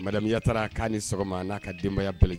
Madame Yattara k'a ni sɔgɔma a n'a ka denbaya bɛ laj